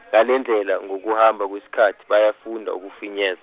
Ngalendlela ngokuhamba kwesikhathi baya funda ukufinyeza.